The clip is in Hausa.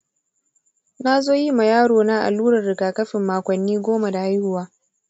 nazo yima yaro na allurar rigakafin makonni goma da haihuwa.